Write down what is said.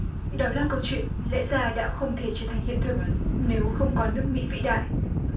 đó là câu chuyện lẽ ra đã không thể trở thành hiện thực nếu không có nước mỹ vĩ đại